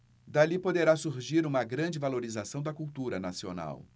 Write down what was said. dali poderá surgir uma grande valorização da cultura nacional